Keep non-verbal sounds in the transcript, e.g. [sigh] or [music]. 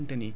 [hesitation] [hesitation]